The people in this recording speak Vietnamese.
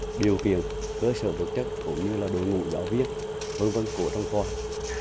điều kiện cơ sở vật chất cũng như là đội ngũ giáo viên vân vân của trong khoa